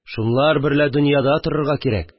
Шунлар берлә дөньяда торырга кирәк